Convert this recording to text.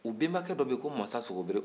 u bɛnbakɛ dɔ bɛ yen ko mansasogobere